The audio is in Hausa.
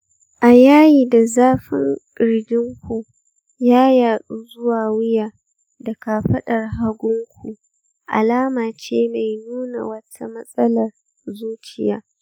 a yayi da zafin ƙirjinku ya, yaɗu zuwa wuya da kafaɗar hagunku, alama ce mai nuna wata matsalar zuciya